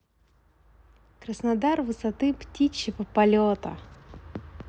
краснодар высоты птичего полета